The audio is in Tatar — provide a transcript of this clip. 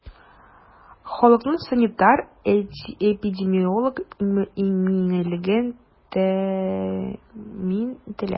Халыкның санитар-эпидемиологик иминлеге тәэмин ителә.